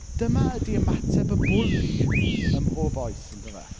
Dyma ydi ymateb y bwli ym mhob oes, yn dyfe?